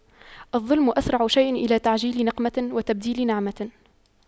الظلم أسرع شيء إلى تعجيل نقمة وتبديل نعمة